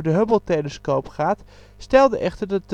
Hubble-telescoop gaat stelde echter dat